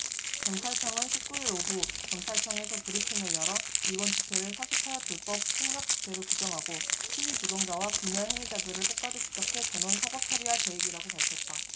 경찰청은 십 구 일 오후 경찰청에서 브리핑을 열어 이번 집회를 사 십 팔 불법 폭력 집회로 규정하고 시위 주동자와 극렬 행위자들을 끝까지 추적해 전원 사법처리할 계획이라고 밝혔다